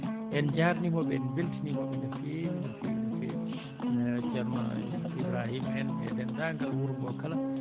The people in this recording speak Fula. en jaarniima ɓe en mbeltaniima ɓe no feewi no feewi no feewi e ceerno Ibrahima en e denndaangal wuro ngoo kala